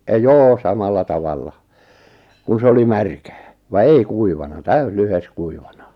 joo samalla tavalla kun se oli märkää vaan ei kuivana täysi lyhde kuivana